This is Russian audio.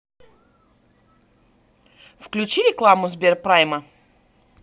включи рекламу сберпрайма